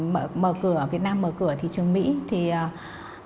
mở mở cửa việt nam mở cửa thị trường mỹ thì